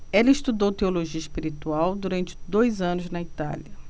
ela estudou teologia espiritual durante dois anos na itália